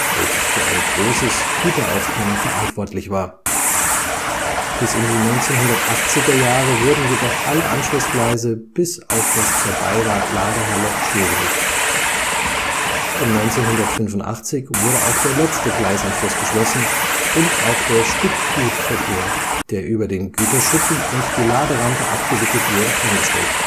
welches für ein großes Güteraufkommen verantwortlich war. Bis in die 1980er Jahre wurden jedoch alle Anschlussgleise bis auf das zur BayWa-Ladehalle stillgelegt. Um 1985 wurde auch der letzte Gleisanschluss geschlossen und auch der Stückgutverkehr, der über den Güterschuppen und die Laderampe abgewickelt wurde, eingestellt